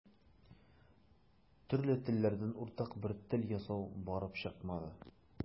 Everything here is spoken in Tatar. Төрле телләрдән уртак бер тел ясау барып чыкмады.